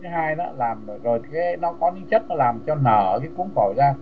thứ hai nó làm rồi nó có những chất làm cho nở cái cuống phổi ra